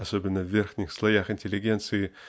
особенно в верхних слоях интеллигенции